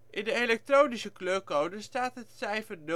elektronische kleurcode staat het cijfer